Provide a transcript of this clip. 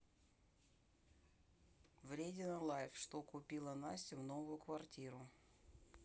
vredina life что купила настя в новую квартиру